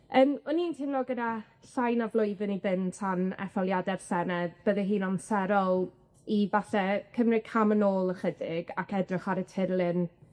Yym o'n i'n teimlo gyda llai na flwyddyn i fynd tan etholiade'r Senedd, bydde hi'n amserol i falle cymryd cam yn ôl ychydig ac edrych ar y tirlun